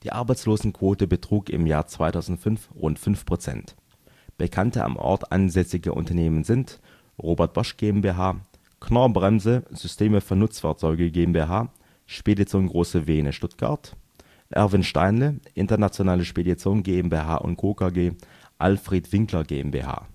Arbeitslosenquote betrug im Jahr 2005 rund 5 %. Bekannte am Ort ansässige Unternehmen sind: Robert Bosch GmbH STEINLE logistic solutions Knorr-Bremse, Systeme für Nutzfahrzeuge GmbH Spedition Große-Vehne, Stuttgart Erwin Steinle, Internationale Spedition GmbH & Co. KG Alfred Winkler GmbH